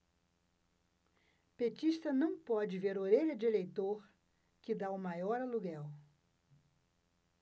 petista não pode ver orelha de eleitor que tá o maior aluguel